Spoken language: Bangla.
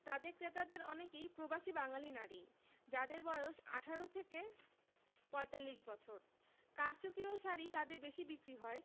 তাঁদের ক্রেতাদের অনেকেই প্রবাসী বাঙালি নারী যাঁদের বয়স ১৮ থেকে ৪৫ বছর কারচুপি ও শাড়ি তাঁদের বেশি বিক্রি হয়